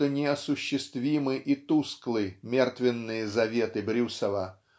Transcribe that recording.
что неосуществимы и тусклы мертвенные заветы Брюсова